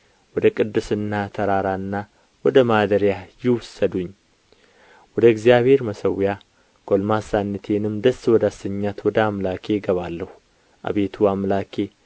ወደ ቅድስናህ ተራራና ወደ ማደሪያህ ይውሰዱኝ ወደ እግዚአብሔር መሠዊያ ጕልማስነቴንም ደስ ወዳሰኛት ወደ አምላኬ እገባለሁ አቤቱ አምላኬ